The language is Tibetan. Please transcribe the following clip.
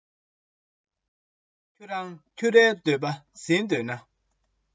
ཆོས ཀྱི སྙིང པོ གཞན དོན འགྲིག ལེ རེད